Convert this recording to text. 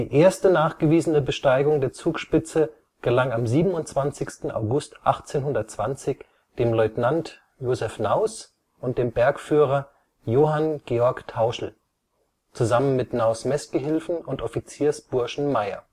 erste nachgewiesene Besteigung der Zugspitze gelang am 27. August 1820 dem Leutnant Josef Naus und dem Bergführer Johann Georg Tauschl [Anm. 2] zusammen mit Naus ' Messgehilfen und Offiziersburschen Maier